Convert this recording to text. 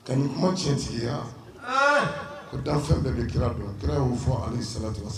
Ka ni kuma tiɲɛtigiya ko dan fɛn bɛɛ bɛ kira don kira y'o fɔ ali sara